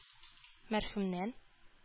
Мәрхүмнән